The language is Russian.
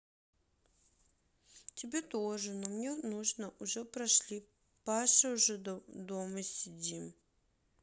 тебе тоже но мне нужно уже прошли паша уже дома посидим